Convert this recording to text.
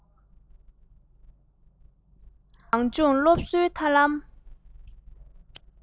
གངས ལྗོངས སློབ གསོ མཁའ ལམ